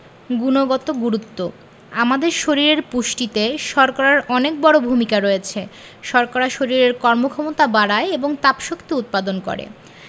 গুণগত গুরুত্ব আমাদের শরীরের পুষ্টিতে শর্করার অনেক বড় ভূমিকা রয়েছে শর্করা শরীরের কর্মক্ষমতা বাড়ায় এবং তাপশক্তি উৎপাদন করে